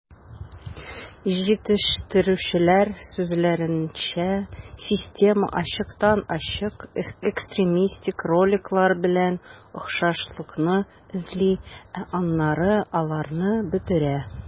Җитештерүчеләр сүзләренчә, система ачыктан-ачык экстремистик роликлар белән охшашлыкны эзли, ә аннары аларны бетерә.